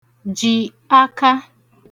jì aka